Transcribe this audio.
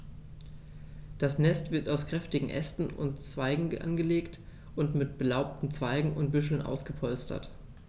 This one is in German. Das Nest wird aus kräftigen Ästen und Zweigen angelegt und mit belaubten Zweigen und Büscheln ausgepolstert.